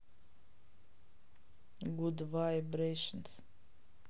гуд вай брейшенс